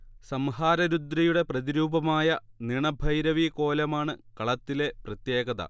സംഹാര രുദ്രയുടെ പ്രതിരൂപമായ നിണഭൈരവി കോലമാണ് കളത്തിലെ പ്രത്യേകത